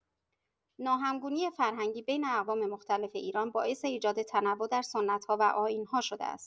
ناهمگونی فرهنگی بین اقوام مختلف ایران باعث ایجاد تنوع در سنت‌ها و آیین‌ها شده است.